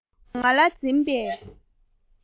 རྒན མོས ང ལ འཛིན པའི